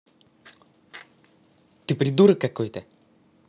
ты придурок какой то